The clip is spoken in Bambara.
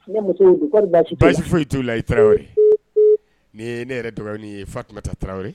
Basi foyi t' la i tarawele ni ne yɛrɛ dɔgɔ ye fa tun taa tarawele ye